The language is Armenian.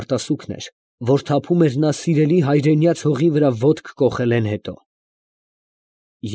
Արտասուքն էր, որ թափում էր նա սիրելի հայրենյաց հողի վրա ոտք կոխելեն հետո։